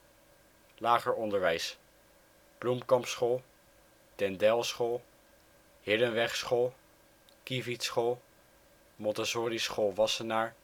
Lager onderwijs: Bloemcampschool Den Deylschool Herenwegschool Kievietschool Montessorischool Wassenaar